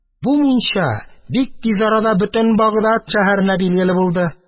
Бу мунча бик тиз арада бөтен Багдад шәһәренә билгеле булды.